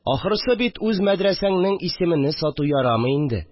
Ахрысы бит үз мәдрәсәңнең исемене сату ярамый инде